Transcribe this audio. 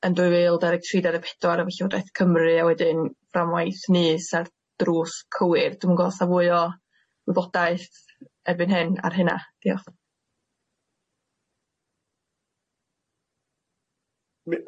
yn dwy fil dau ddeg tri dau ddeg pedwar efo Llywodraeth Cymru a wedyn fframwaith nyth a'r drws cywir, dwi'm yn gw'bo' o's 'na fwy o wybodaeth erbyn hyn ar hynna? Diolch.